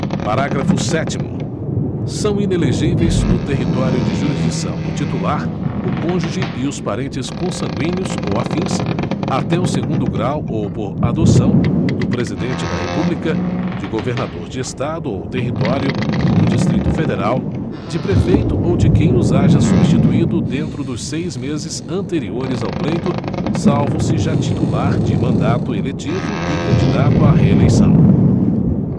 parágrafo sétimo são inelegíveis no território de jurisdição do titular o cônjuge e os parentes consangüíneos ou afins até o segundo grau ou por adoção do presidente da república de governador de estado ou território do distrito federal de prefeito ou de quem os haja substituído dentro dos seis meses anteriores ao pleito salvo se já titular de mandato eletivo e candidato à reeleição